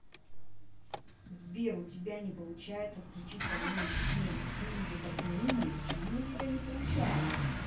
сбер у тебя не получается включить район семь ты же такой умный почему у тебя не получается